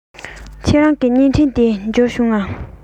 ཁྱེད རང གི བརྙན འཕྲིན དེ འབྱོར བྱུང ངས